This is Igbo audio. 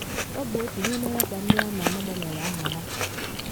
Ọ bụ otu n’ime rapa ndị ama ama gbanwere aha ha.